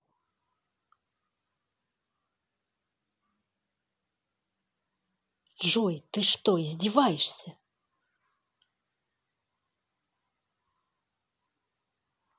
джой ты что издеваешься